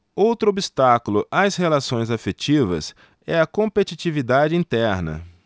outro obstáculo às relações afetivas é a competitividade interna